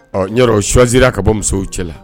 Ɔ n'yɔrɔ, o choisie la ka bɔ musow cɛ la .